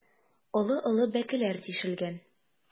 Олы-олы бәкеләр тишелгән.